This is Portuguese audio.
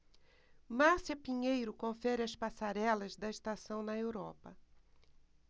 márcia pinheiro confere as passarelas da estação na europa